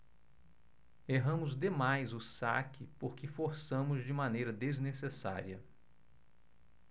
erramos demais o saque porque forçamos de maneira desnecessária